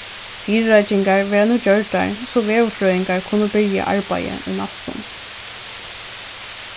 fyrireikingar verða nú gjørdar so veðurfrøðingar kunnu byrja arbeiðið í næstum